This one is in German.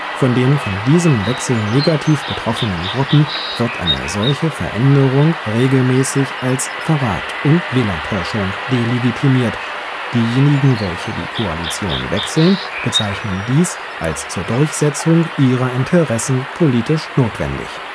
Von den von diesem Wechsel negativ betroffenen Gruppen wird eine solche Veränderung regelmäßig als „ Verrat “und Wählertäuschung delegitimiert, diejenigen, welche die Koalition wechseln, bezeichnen dies als zur Durchsetzung ihrer Interessen politisch notwendig